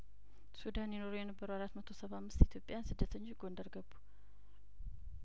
ሱዳን ይኖሩ የነበሩ አራት መቶ ሰባ አምስት ኢትዮጵያውያን ስደተኞች ጐንደር ገቡ